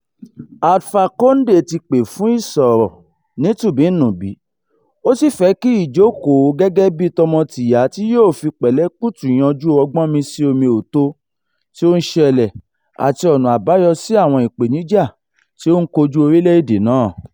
Alpha Condé ti pè fún ìsọ̀rọ̀ ní tùnbíǹnùbí ó sì fẹ́ kí ìjókòó gẹ́gẹ́ bí tọmọtìyá tí yóò fi pẹ̀lẹ́pùtù yanjú gbọ́nmi-síi-omi-ò-tóo tí ó ń ṣẹlẹ̀ àti ọ̀nà àbáyọ sí àwọn ìpèníjà tí ó ń kojú orílẹ̀-èdè náà.